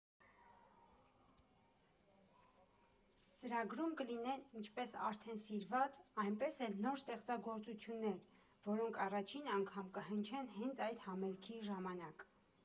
Ծրագրում կլինեն ինչպես արդեն սիրված, այնպես էլ նոր ստեղծագործություններ, որոնք առաջին անգամ կհնչեն հենց այդ համերգի ժամանակ։